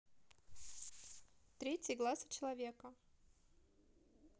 третий глаз у человека